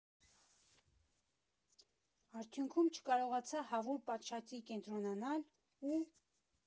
Արդյունքում չկարողացա հավուր պատշաճի կենտրոնանալ ու՛…